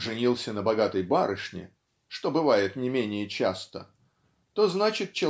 женился на богатой барышне (что бывает не менее часто) то значит